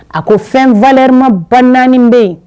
A ko fɛn valeur maba 4 bɛ yen.